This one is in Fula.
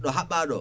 ɗo haɓɓa ɗo